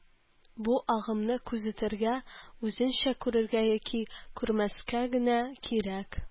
Бу агымны күзәтергә, үзеңчә күрергә, яки күрмәскә генә кирәк